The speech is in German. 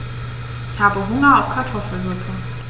Ich habe Hunger auf Kartoffelsuppe.